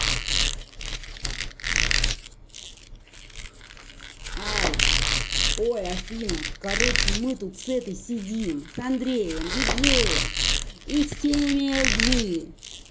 all ой афина короче мы тут с этой сидим с андреем диджеем и всеми lg